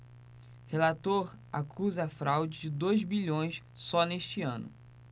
relator acusa fraude de dois bilhões só neste ano